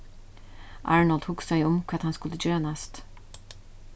arnold hugsaði um hvat hann skuldi gera næst